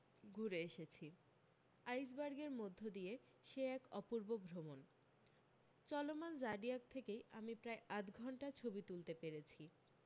ঘুরে বেড়িয়েছি আইসবার্গের মধ্যে দিয়ে সে এক অপূর্ব ভ্রমণ চলমান জাডিয়াক থেকে আমি প্রায় আধঘন্টা ছবি তুলতে পেরেছি